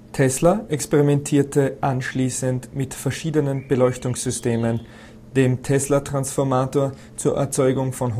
Tesla experimentierte anschließend mit verschiedenen Beleuchtungssystemen, dem Tesla-Transformator zur Erzeugung von